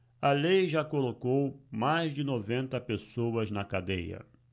a lei já colocou mais de noventa pessoas na cadeia